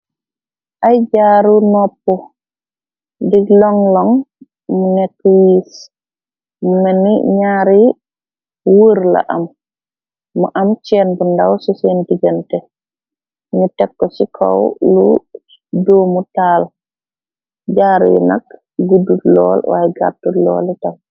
Ay jaaru noppu, di long-long, mu nekkë si wiis, mu melni, ñaari woor la am. Mu am cenn bu ndàw si seen digante ñu tek ko si kow lu doomu taal. Jaaru yu nak, guddul lool, waaye gàttut looli tam.